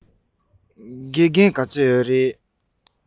དགེ རྒན ག ཚོད ཡོད ན